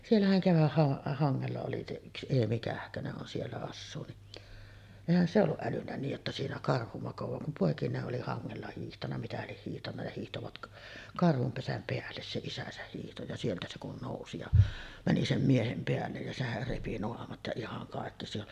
siellähän - keväthangella oli se yksi Eemi Kähkönen on siellä asuu niin eihän se ollut älynnyt niin jotta siinä karhu makaa kun poikineen oli hangella hiihtänyt mitä lie hiihtänyt ja hiihtivät karhun pesän päälle se isänsä hiihti ja sieltä se kun nousi ja meni sen miehen päälle ja sehän repi naamat ja ihan kaikki se on